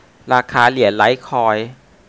ราคาเหรียญไลท์คอยน์